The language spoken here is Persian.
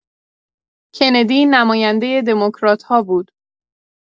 کندی نماینده دموکرات‌ها بود